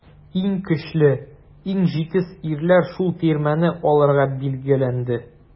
Иң көчле, иң җитез ирләр шул тирмәне алырга билгеләнде.